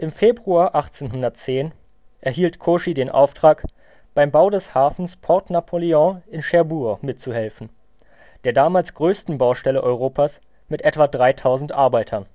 Februar 1810 erhielt Cauchy den Auftrag, beim Bau des Hafens Port Napoléon in Cherbourg mitzuhelfen, der damals größten Baustelle Europas mit etwa 3000 Arbeitern